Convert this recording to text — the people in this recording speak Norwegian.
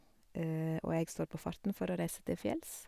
Og jeg står på farten for å reise til fjells.